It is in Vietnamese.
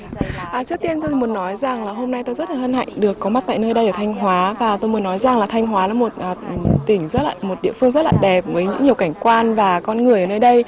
à trước tiên tôi muốn nói rằng là hôm nay tôi rất hân hạnh được có mặt tại nơi đây ở thanh hóa và tôi muốn nói rằng là thanh hóa là một tỉnh rất là một địa phương rất là đẹp với nhiều cảnh quan và con người nơi đây